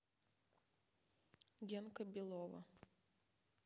генка белова